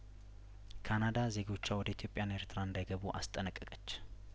ካናዳ ዜጐቿ ወደ ኢትዮጵያና ኤርትራ እንዳይገቡ አስጠነቀቀች